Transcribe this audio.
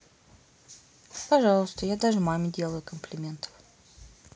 пожалуйста я даже маме делаю комплиментов